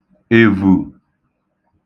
èvù